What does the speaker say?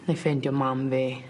'nai ffeindio mam fi